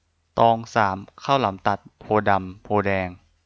ตองสามข้าวหลามตัดโพธิ์ดำโพธิ์แดง